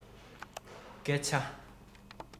སྐད ཆ